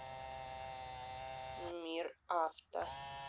мир авто